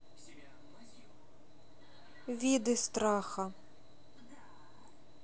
виды страха